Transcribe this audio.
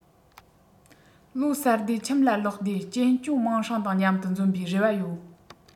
ལོ གསར དུས ཁྱིམ ལ ལོགས ཏེ གཅེན གཅུང མིང སྲིང དང མཉམ དུ འཛོམས པའི རེ བ ཡོད